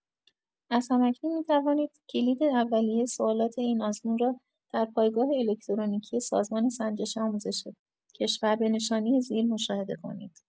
از هم‌اکنون می‌توانید کلید اولیه سوالات این آزمون را در پایگاه الکترونیکی سازمان سنجش آموزش کشور به نشانی زیر مشاهده کنید.